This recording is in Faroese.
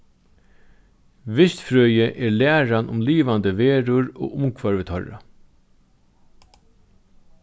vistfrøði er læran um livandi verur og umhvørvi teirra